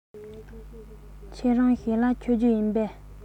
ཁྱེད རང ཞལ ལག མཆོད རྒྱུ བཟའ རྒྱུ ཡིན པས